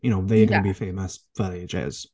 You know, they're going to be famous for ages.